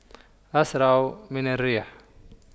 أسرع من الريح